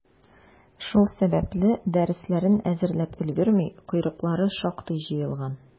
Шул сәбәпле, дәресләрен әзерләп өлгерми, «койрыклары» шактый җыелган.